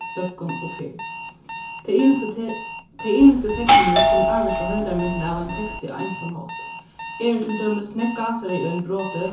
støðgum og ferð tey ymisku tey ymisku teknini kunnu ávirka heildarmyndina av einum teksti á ymsan hátt eru til dømis nógv gásareygu í einum broti